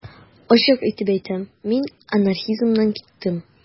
Ачык итеп әйтәм: мин анархизмнан киттем.